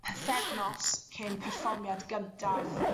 pythefnos cyn perfformiad gyntaf